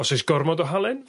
os oes gormod o halen